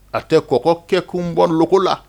A tɛ kɔkɔ kɛkun bɔ boloko la